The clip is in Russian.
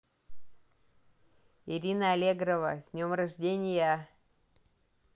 ирина аллегрова с днем рождения